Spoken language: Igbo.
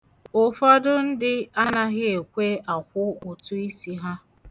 Ụfọdụ ndị anaghị ekwe akwụ utuisi ha.